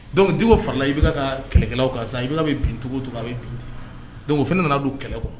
Dɔnku di o farala i bɛ ka kɛlɛkɛlaw kan sa i bɛ bincogo to a bɛ bin o nana don kɛlɛ kɔ